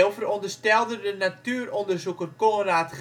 veronderstelde de natuuronderzoeker Conrad